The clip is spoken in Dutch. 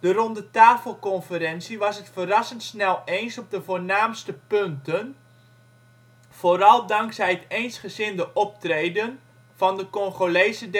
ronde-tafel conferentie werd het verrassend snel eens op de voornaamste punten, vooral dankzij het eensgezinde optreden van de Congolese